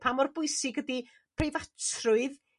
Pa mor bwysig ydi preifasrwydd